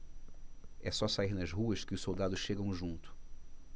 é só sair nas ruas que os soldados chegam junto